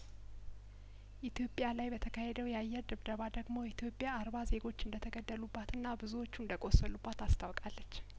ኢትዮጵያ ላይ በተካሄደው የአየር ድብደባ ደግሞ ኢትዮጵያ አርባ ዜጐች እንደተገደሉ ባትና ብዙዎቹ እንደቆሰሉባት አስታውቃለች